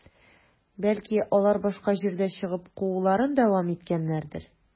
Бәлки, алар башка җирдә чыгып, кууларын дәвам иткәннәрдер?